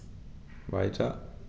Weiter.